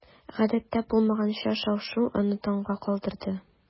Гадәттә булмаганча шау-шу аны таңга калдырды.